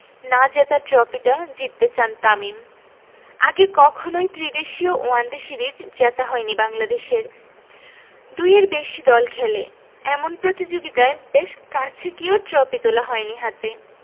না জেতা ট্রপিটা জিততে চান তামিম আগে কখনোই ত্রিদেশীয় ওয়ানডে সিরিজ জেতা হয়নি বাংলাদেশের দুইয়ের বেশি দল খেলে এমন প্রতিযোগিতায় বেশ কাছে গিয়েও ট্রপি তোলা হয়নি হাতে